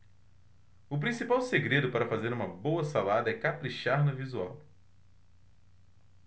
o principal segredo para fazer uma boa salada é caprichar no visual